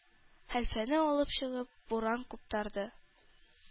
Хәлфәне алып чыгып, буран куптарды.